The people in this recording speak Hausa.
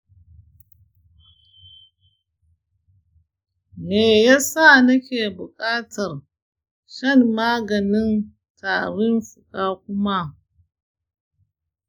me ya sa nake bukatar shan maganin tarin fuka kuma?